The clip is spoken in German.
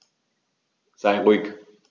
Sei ruhig.